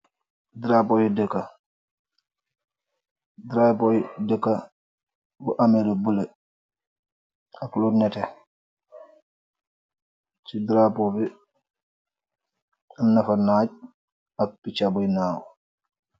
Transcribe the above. Darapo yi daka, darapo yi daka bi ameh lu bulo, ak lu netè. Ci darapo bi, amna fa naaj ak picha bi ñaw.